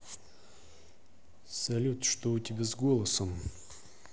салют что у тебя с голосом